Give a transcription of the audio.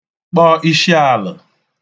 kpọ ishialə̣